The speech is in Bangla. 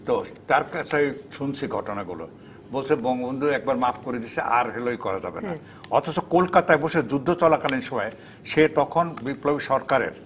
তো তার কাছেই শুনছি ঘটনাগুলো বলসে বঙ্গবন্ধু এক বার মাফ করে দিছে আর হেলা করা যাবে না অথচ কলকাতায় বসে যুদ্ধচলাকালীন সময়ে সে তখন বিপ্লবী সরকারের